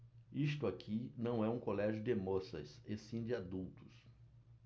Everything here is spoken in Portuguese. isto aqui não é um colégio de moças e sim de adultos